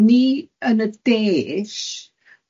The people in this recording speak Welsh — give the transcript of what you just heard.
So o'n i yn y De ish.